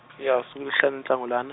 ya suku lwesihlanu uNhlangulana.